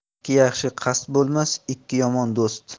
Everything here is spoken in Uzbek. ikki yaxshi qasd bo'lmas ikki yomon do'st